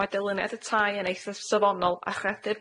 mae dyluniad y tai yn eithaf safonol a chredir